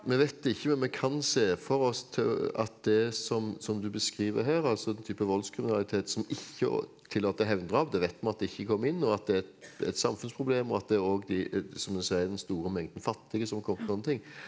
vi vet ikke men vi kan se for oss at det som som du beskriver her altså den type voldskriminalitet som ikke å tillater hevndrap det vet vi at det ikke kom inn og at det er et et samfunnsproblem og at det òg som du sier den store mengden fattige som kommer og sånne ting,